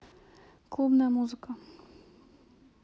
клубная музыка